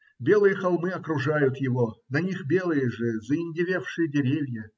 Белые холмы окружают его, на них белые, же, заиндевевшие деревья.